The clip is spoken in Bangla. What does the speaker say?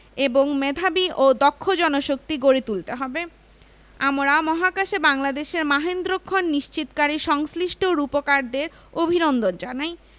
এবং মেধাবী ও দক্ষ জনশক্তি গড়ে তুলতে হবে আমরা মহাকাশে বাংলাদেশের মাহেন্দ্রক্ষণ নিশ্চিতকারী সংশ্লিষ্ট রূপকারদের অভিনন্দন জানাই